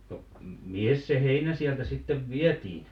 no - mihinkäs se heinä sieltä sitten vietiin